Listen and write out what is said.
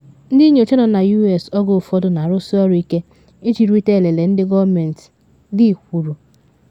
Ndị nyocha nọ na U.S. oge ụfọdụ na arụsị ọrụ ike iji rite elele ndị gọọmentị, Lee kwuru.